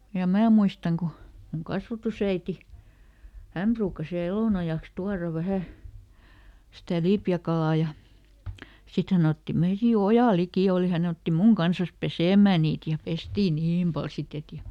ja minä muistan kun minun kasvatusäiti hän ruukasi vielä elonajaksi tuoda vähän sitä lipeäkalaa ja sitten hän otti meidän ja oja liki oli hän otti minun kanssa pesemään niitä ja pestiin niin paljon sitten että ja